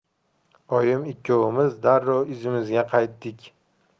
oyim ikkalamiz darrov izimizga qaytdik